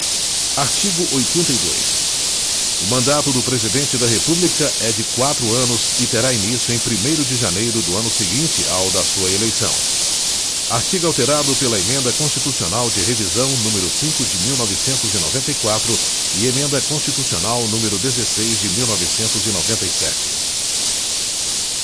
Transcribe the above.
artigo oitenta e dois o mandato do presidente da república é de quatro anos e terá início em primeiro de janeiro do ano seguinte ao da sua eleição artigo alterado pela emenda constitucional de revisão número cinco de mil novecentos e noventa e quatro e emenda constitucional número dezesseis de mil novecentos e noventa e sete